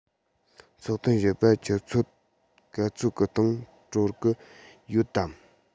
ཚོགས ཐུན བཞི པ ཆུ ཚོད ག ཚོད སྟེང གྲོལ གི ཡོད དམ